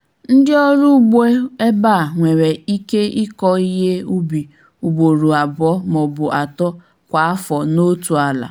Ndị ọrụ ugbo ebe a nwere ike ịkọ ihe ubi ugboro abụọ maọbụ atọ kwa afọ n'otu ala.